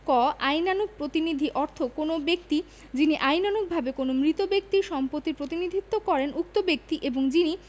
ক আইনানুগ প্রতিনিধি অর্থ কোন ব্যক্তি যিনি আইনানুগভাবে কোন মৃত ব্যক্তির সম্পত্তির প্রতিনিধিত্ব করেন উক্ত ব্যক্তি এবং যিনি